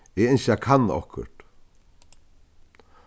eg ynski at kanna okkurt